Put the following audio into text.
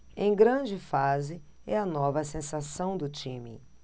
em grande fase é a nova sensação do time